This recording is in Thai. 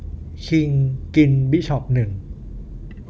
คิงกินบิชอปหนึ่ง